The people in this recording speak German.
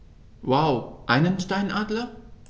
Wow! Einen Steinadler?